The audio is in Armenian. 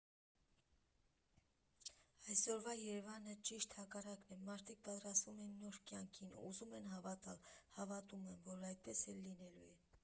Այսօրվա Երևանը ճիշտ հակառակն է՝ մարդիկ պատրաստվում են նոր կյանքին, ուզում եմ հավատալ, հավատում եմ, որ այդպես էլ լինելու է։